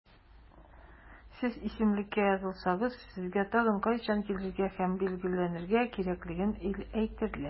Сез исемлеккә языласыз, сезгә тагын кайчан килергә һәм билгеләнергә кирәклеген әйтәләр.